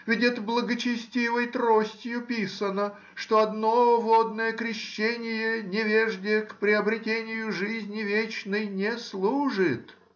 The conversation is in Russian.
— ведь это благочестивой тростью писано, что одно водное крещение невежде к приобретению жизни вечной не служит.